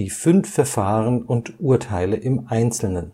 fünf Verfahren und Urteile im Einzelnen